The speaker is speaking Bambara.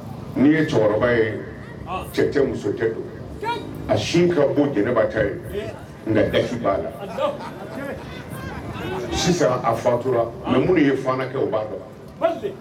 N'i ye cɛkɔrɔba ye cɛ cɛ muso don a sin ka bɔ jɛnɛɛnɛnba ta ye nka b'a la sisan a fatura mɛ minnu ye fan kɛ o b'a dɔn